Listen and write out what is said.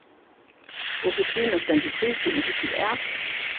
og kristina stendur syrgin og hyggur at